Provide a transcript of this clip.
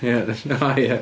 Ia, o ia.